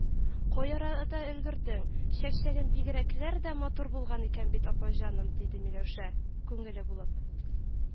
— кай арада өлгердең, чәкчәгең бигрәкләр дә матур булган икән бит, апай-җаным, — диде миләүшә, күңеле булып